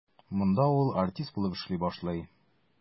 Монда ул артист булып эшли башлый.